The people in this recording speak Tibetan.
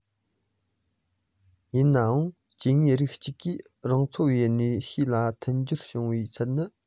ཡིན ནའང སྐྱེ དངོས རིགས གཅིག གིས རང འཚོ བའི གནམ གཤིས ལ མཐུན འཕྲོད བྱུང བའི ཚད ནི